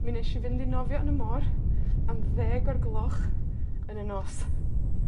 Mi nesh i fynd i nofio yn y môr, am ddeg o'r gloch yn y nos.